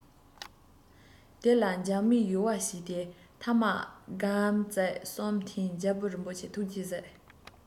དེ ལ འཇག མས ཡུ བ བྱས ཏེ ཐ མ སྒམ ཙིག གསུམ འཐེན ནས རྒྱལ པོ རིན པོ ཆེ ཐུགས རྗེས གཟིགས